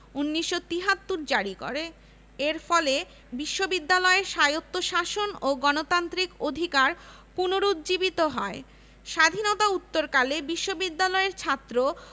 P J Hartog ১৯২২ ২৩ সালে বার্ষিক court meeting এ ঢাকা বিশ্ববিদ্যালয়ের এক বছরের কৃতিত্ব নিয়ে গর্ব প্রকাশ করেন